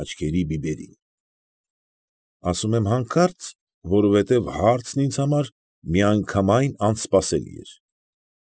Աչքերի բիբերին։ Ասում եմ հանկարծ, որովհետև հարցն ինձ համար միանգամայն անսպասելի էր։